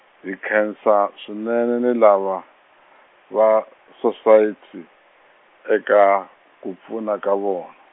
hi nkhensa swinene ni lava, va, tisosayiti, eka, ku pfuna ka vona.